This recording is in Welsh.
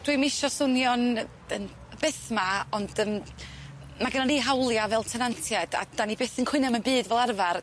Dwi'm isio swnio'n yy yn byth ma' ond yym ma' gynnon ni hawlia' fel tenantiaid a dan ni byth yn cwyno am um byd fel arfar.